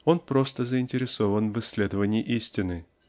он просто заинтересован в исследовании истины.